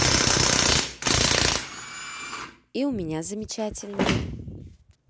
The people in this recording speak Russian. и у меня замечательно